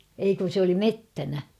ei kun se oli metsänä